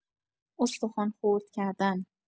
استخوان خرد کردن